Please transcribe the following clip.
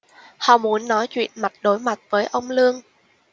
họ muốn nói chuyện mặt đối mặt với ông lương